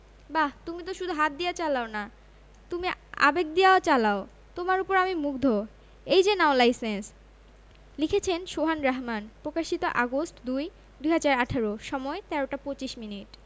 বাহ তুমি তো শুধু হাত দিয়া চালাও না তুমি আবেগ দিয়া চালাও তোমার উপর আমি মুগ্ধ এই যে নাও লাইসেন্স... লিখেছেনঃ শোহান রাহমান প্রকাশিতঃ আগস্ট ২ ২০১৮ সময়ঃ ১৩টা ২৫ মিনিট